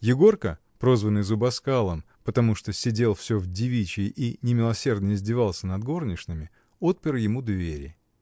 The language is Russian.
Егорка, прозванный зубоскалом, — потому что сидел всё в девичьей и немилосердно издевался над горничными, — отпер ему двери.